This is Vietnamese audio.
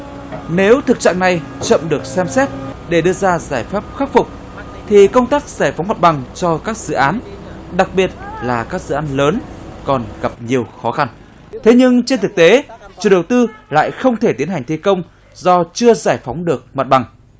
nếu thực trạng này chậm được xem xét để đưa ra giải pháp khắc phục thì công tác giải phóng mặt bằng cho các dự án đặc biệt là các dự án lớn còn gặp nhiều khó khăn thế nhưng trên thực tế chủ đầu tư lại không thể tiến hành thi công do chưa giải phóng được mặt bằng